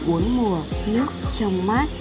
mùa nước trong mát